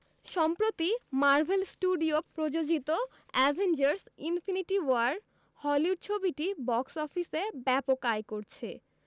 সম্প্রতি Marvel studio প্রযোজিত Avengers Infinity War Hollywood ছবিটি বক্স অফিসে ব্যাপক আয় করছে